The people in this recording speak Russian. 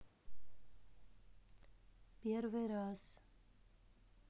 первый раз